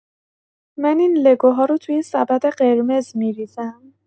من این لگوها رو توی سبد قرمز می‌ریزم.